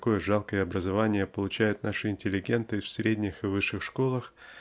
какое жалкое образование получают наши интеллигенты в средних и высших школах